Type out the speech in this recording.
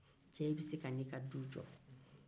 jaa i bɛ se ka ne ka du jɔ